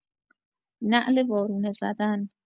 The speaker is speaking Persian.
نعل وارونه زدن